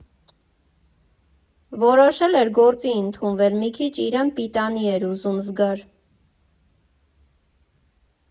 Որոշել էր գործի ընդունվել, մի քիչ իրան պիտանի էր ուզում զգար։